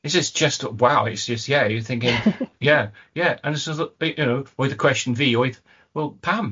This is just wow it's just yeah you're thinking yeah yeah and this was you know oedd y cwestiwn fi oedd wel pam?